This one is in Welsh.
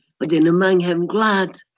Wedyn yma yng nghefn gwlad.